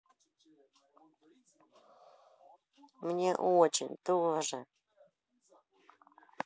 мне очень тоже